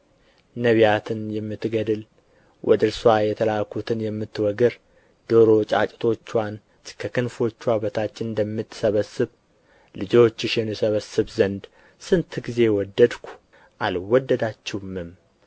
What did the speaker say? ነቢያትን የምትገድል ወደ እርስዋ የተላኩትንም የምትወግር ዶሮ ጫጩቶችዋን ከክንፎችዋ በታች እንደምትሰበስብ ልጆችሽን እሰበስብ ዘንድ ስንት ጊዜ ወደድሁ አልወደዳችሁምም